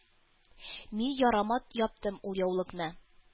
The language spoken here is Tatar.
Мин ярама яптым ул яулыкны